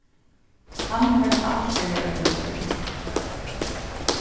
hann fekk alt føroyar at fylgja við